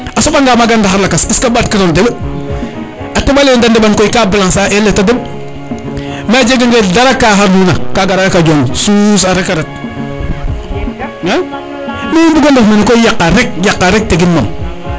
a soɓa nga maga ndaxar lakas est ce que ɓaat kirano deɓa teɓa lene te deɓan koy ka blancer a eel ne te deɓ mais a jega nge dara ka xañu na ka gara rek a joon suus rek a ret mais i mbugo ndef mene yaqa rek yaqa rek tegin mam